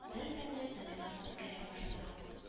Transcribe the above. Бермәлне табигать үзгәрә башлаган